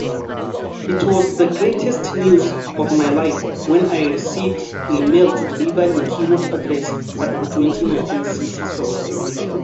It was the greatest news of my life when I received a mail to deliver a keynote address at the 2019 CC Summit in Lisbon...